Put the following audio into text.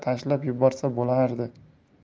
tashlab yuborsa bo'lardi